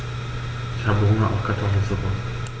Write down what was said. Ich habe Hunger auf Kartoffelsuppe.